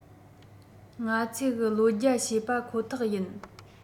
ང ཚོས གི བློ རྒྱ ཕྱེས པ ཁོ ཐག ཡིན